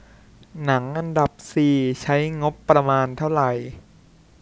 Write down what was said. หนังอันดับสี่ใช้งบประมาณเท่าไหร่